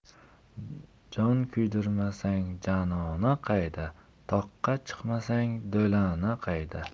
jon kuydirmasang jonona qayda toqqa chiqmasang do'lona qayda